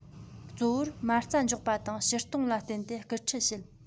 གཙོ བོར མ རྩ འཇོག པ དང ཕྱིར གཏོང ལ བརྟེན ཏེ སྐུལ ཁྲིད བྱེད